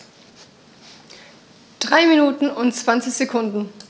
3 Minuten und 20 Sekunden